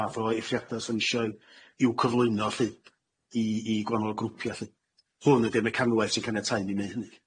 ma' fo eithiada so'n i isio'n i'w cyflwyno lly i i gwahanol grwpia' lly, hwn ydi'r mecanwaith sy'n caniatau i ni neu' hynny.